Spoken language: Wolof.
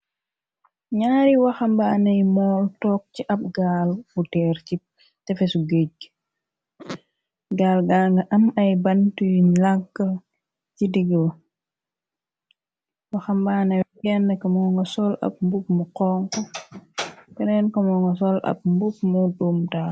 Ñaari waxambaanay mool toog ci ab gaal bu tëer ci tefesu géej gaal gang am ay bant yuñ làkk ci digb waxambaanab ko mo nga sol ab mbub mu duum taal.